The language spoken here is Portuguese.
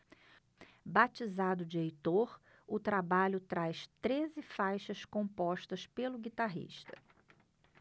batizado de heitor o trabalho traz treze faixas compostas pelo guitarrista